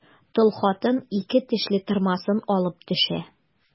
Тол хатын ике тешле тырмасын алып төшә.